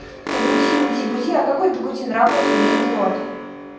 ты буди буди буди а какой бигуди на работу не идет